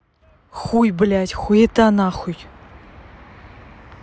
хуй блядь хуета нахуй